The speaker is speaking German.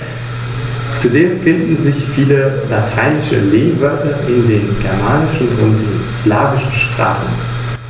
Ziel dieses Biosphärenreservates ist, unter Einbeziehung von ortsansässiger Landwirtschaft, Naturschutz, Tourismus und Gewerbe die Vielfalt und die Qualität des Gesamtlebensraumes Rhön zu sichern.